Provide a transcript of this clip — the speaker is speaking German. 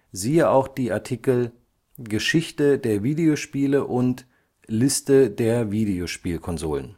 Siehe auch Geschichte der Videospiele und Liste der Videospielkonsolen